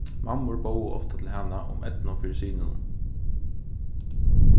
mammur bóðu ofta til hana um eydnu fyri synunum